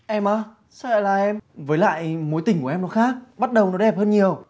em á sao lại là em với lại mối tình của em nó khác bắt đầu nó đẹp hơn nhiều